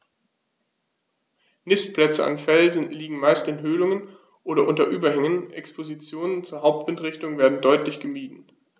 Nistplätze an Felsen liegen meist in Höhlungen oder unter Überhängen, Expositionen zur Hauptwindrichtung werden deutlich gemieden.